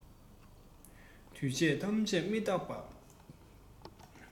འདུས བྱས ཐམས ཅད མི རྟག པ